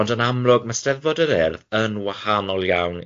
Ond yn amlwg, ma' Eisteddfod yr Urdd yn wahanol iawn i,